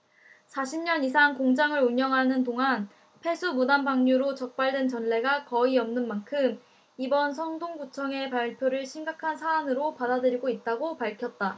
사십 년 이상 공장을 운영하는 동안 폐수 무단 방류로 적발된 전례가 거의 없는 만큼 이번 성동구청의 발표를 심각한 사안으로 받아들이고 있다고 밝혔다